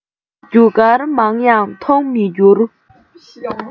རྒྱུ སྐར མང ཡང མཐོང མི འགྱུར